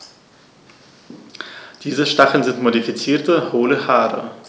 Diese Stacheln sind modifizierte, hohle Haare.